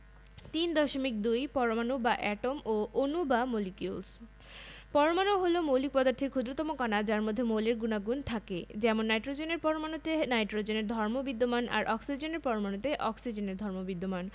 এঁটেল ও পলি দোআঁশ মাটি ধান চাষের জন্য উপযোগী ধানের জাতসমূহঃ বাংলাদেশে তিন প্রকারের ধান আছে যথাঃ ক স্থানীয় জাতঃ টেপি গিরবি